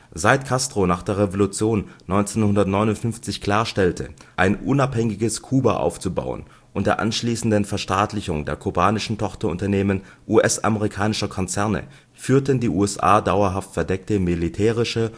Seit Castro nach der Revolution 1959 klarstellte, ein unabhängiges Kuba aufzubauen und der anschließenden Verstaatlichung der kubanischen Tochterunternehmen US-amerikanischer Konzerne, führten die USA dauerhaft verdeckte militärische